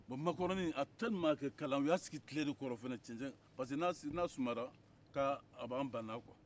bon makarɔni teliman a ka kalan u y'a sigi tile de kɔrɔ fana cɛncɛn kan parce que n'a sumana k'a b'an bana kuwa